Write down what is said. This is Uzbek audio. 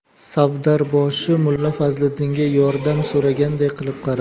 savdarboshi mulla fazliddinga yordam so'raganday qilib qaradi